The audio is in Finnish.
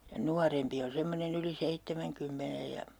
ja nuorempi on semmoinen yli seitsemänkymmenen ja